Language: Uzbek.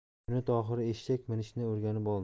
bunyod oxiri eshak minishni o'rganib oldi